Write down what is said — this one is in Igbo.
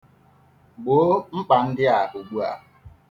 Gboo mkpa ndị a ugbua!